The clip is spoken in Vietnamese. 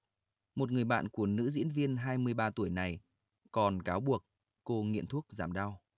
một người bạn của nữ diễn viên hai mươi ba tuổi này còn cáo buộc cô nghiện thuốc giảm đau